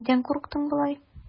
Нидән курыктың болай?